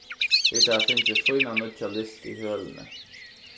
vit hava fingið fína nýggja list í hølini